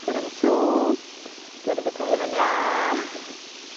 tiramisu, dwi 'di bita hufen iâ.